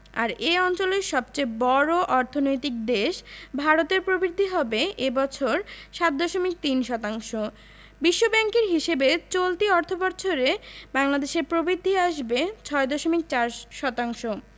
আর এ অঞ্চলের সবচেয়ে বড় অর্থনৈতিক দেশ ভারতের প্রবৃদ্ধি হবে এ বছর ৭.৩ শতাংশ বিশ্বব্যাংকের হিসাবে চলতি অর্থবছরে বাংলাদেশের প্রবৃদ্ধি আসবে ৬.৪ শতাংশ